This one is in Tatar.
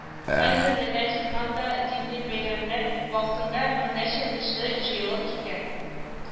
Хәзер “Лалә-Тюльпанда дини бәйрәмнәр вакытында меңнәрчә кеше җыелып китә